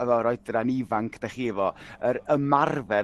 efo'r oedran ifanc 'da chi efo yr ymarfer